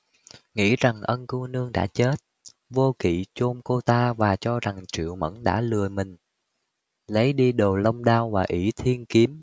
nghĩ rằng ân cô nương đã chết vô kỵ chôn cô ta và cho rằng triệu mẫn đã lừa mình lấy đi đồ long đao và ỷ thiên kiếm